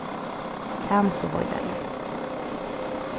tænastuveitarar